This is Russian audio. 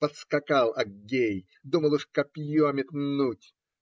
Подскакал Аггей, думал уж копье метнуть